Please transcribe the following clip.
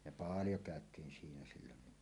ja paljon käytiin siinä silloin